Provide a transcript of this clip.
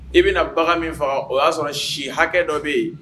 I bɛna na bagan min faga o y'a sɔrɔ si hakɛ dɔ bɛ yen